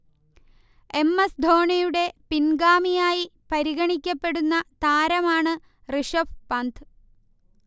M. S. ധോണിയുടെ പിൻഗാമിയായി പരിഗണിക്കപ്പെടുന്ന താരമാണ് ഋഷഭ് പന്ത്